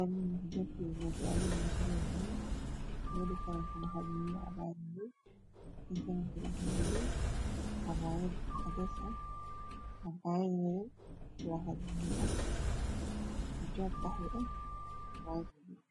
iyo dahabi iyo qahwi iyo madow waxaa mesh yalo mis kalar kisi waa gadud